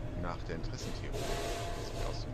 Nach der Interessentheorie, die sich aus